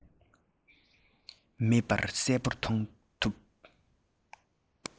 མེད པར གསལ པོར མངོན ཐུབ